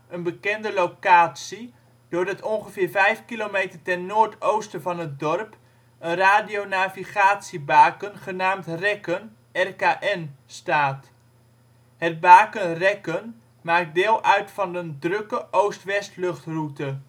een bekende locatie doordat ongeveer 5 km ten noordoosten van het dorp een radionavigatiebaken genaamd ' Rekken ' (RKN) staat. Het baken Rekken maakt deel uit van een drukke oost-west luchtroute